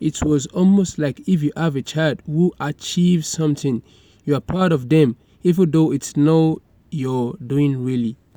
it was almost like if you have a child who achieves something: you're proud of them even though it's not your doing really.